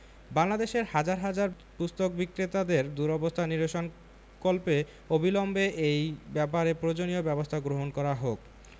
বাংলাদেশের হাজার হাজার পুস্তক বিক্রেতাদের দুরবস্থা নিরসনকল্পে অবিলম্বে এই ব্যাপারে প্রয়োজনীয় ব্যাবস্থা গ্রহণ করা হোক